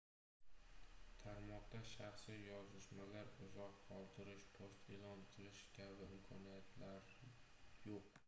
tarmoqda shaxsiy yozishmalar izoh qoldirish post e'lon qilish kabi imkoniyatlar yo'q